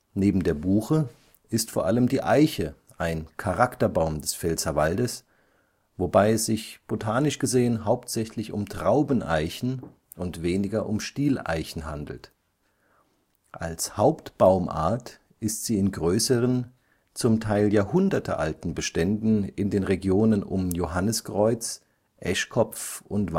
Neben der Buche ist vor allem die Eiche ein „ Charakterbaum “des Pfälzerwaldes, wobei es sich, botanisch gesehen, hauptsächlich um Trauben - und weniger um Stieleichen handelt. Als Hauptbaumart ist sie in größeren, zum Teil jahrhundertealten Beständen in den Regionen um Johanniskreuz, Eschkopf und